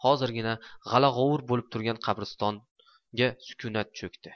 hozirgina g'ala g'ovur bo'lib turgan qabristonga sukunat cho'kdi